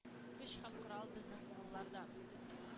Көч һәм корал безнең кулларда.